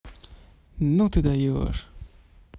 ну ты даешь